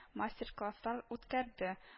Мастер-класслар үткәрде